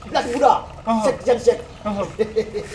Tuguda tuguda ɔnhɔn Cheick Cheick Cheick ɔnhɔn